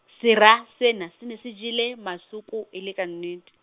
Sera, se na, se ne se jele, masoko e le ka nnete.